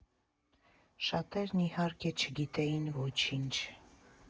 Շատերն իհարկե չգիտեին ոչինչ.